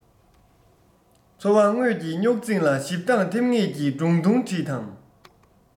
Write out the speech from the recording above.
འཚོ བ དངོས ཀྱི སྙོག འཛིང ལ ཞིབ འདང ཐེབས ངེས ཀྱི སྒྲུང ཐུང བྲིས དང